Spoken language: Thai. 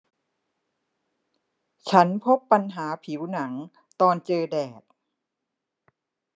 ฉันพบปัญหาผิวหนังตอนเจอแดด